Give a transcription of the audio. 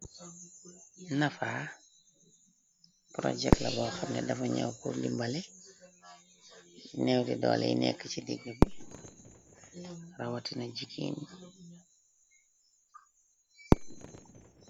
Nafa , projekt la bo xameh dafa ñyew purr di mbale neew di dooley nekk ci digg bi, rawatina jigeen yi.